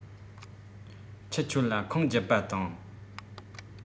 ཁྱི ཁྱོད ལ ཁུངས བརྒྱུད པ དང